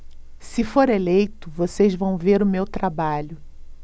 se for eleito vocês vão ver o meu trabalho